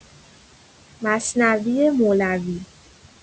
مثنوی مولوی